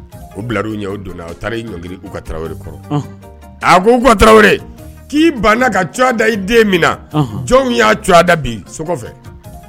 U bila la u ɲɛ, u donna a taari ɲɔngiri Uga Tarawele kɔrɔ . A ko Uga Tarawele ki banna ka tɔgɔ da i den min na jɔnw ya tɔgɔ da bi so kɔfɛ.